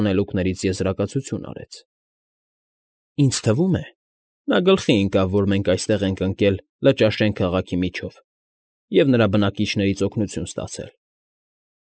Հանելուկներից եզրակացություն արեց։ ֊ Ինձ թվում է, նա գլխի ընկավ, որ մենք այստեղ ենք ընկել Լճաշեն քաղաքի միջով և նրա բնակիչներից օգնություն ստացել։